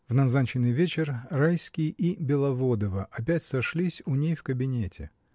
В назначенный вечер Райский и Беловодова опять сошлись у ней в кабинете.